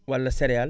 wala céréale